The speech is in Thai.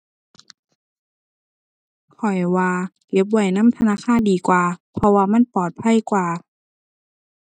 ข้อยว่าเก็บไว้นำธนาคารดีกว่า เพราะว่ามันปลอดภัยกว่า